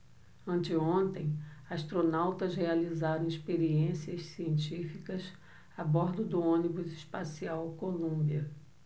anteontem astronautas realizaram experiências científicas a bordo do ônibus espacial columbia